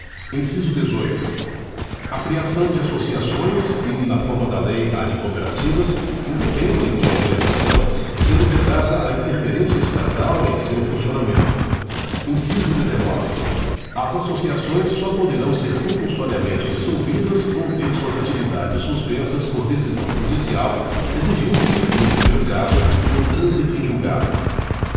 inciso dezoito a criação de associações e na forma da lei a de cooperativas independem de autorização sendo vedada a interferência estatal em seu funcionamento inciso dezenove as associações só poderão ser compulsoriamente dissolvidas ou ter suas atividades suspensas por decisão judicial exigindo se no primeiro caso o trânsito em julgado